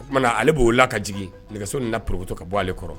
O tumaumana na ale b'o la ka jigin nɛgɛso ni na purtɔ ka bɔ ale kɔrɔ